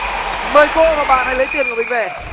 mời cô và bạn hãy lấy tiền của mình về